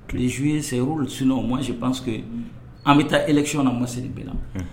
Tilelesiwuye sɛ sunina o mɔnsi pansse an bɛ taa ekiyɔn na masi de bɛ la